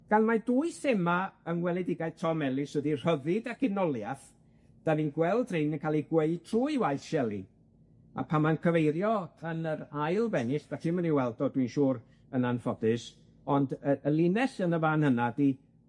Gan mae dwy thema yng ngweledigaeth Tom Ellis ydi rhyddid ac hunoliath, 'dan ni'n gweld rhein yn ca'l eu gweud trwy waith Shelley, a pan mae'n cyfeirio yn yr ail bennill, 'dach chi'm yn 'i weld o dwi'n siŵr yn anffodus, ond y y linell yn y fan yna 'di